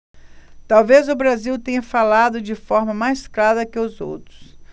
talvez o brasil tenha falado de forma mais clara que os outros